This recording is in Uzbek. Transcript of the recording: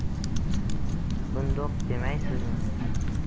bundoq demaysizmi